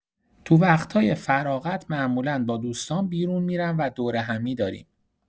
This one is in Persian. تو وقتای فراغت معمولا با دوستام بیرون می‌رم و دورهمی داریم.